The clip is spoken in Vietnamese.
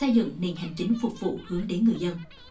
xây dựng nền hành chính phục vụ hướng đến người dân